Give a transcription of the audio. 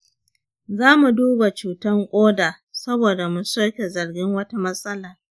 zamu duba cutan ƙoda saboda mu soke zargin wata matsala.